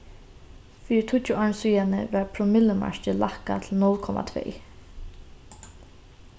fyri tíggju árum síðani varð promillumarkið lækkað til null komma tvey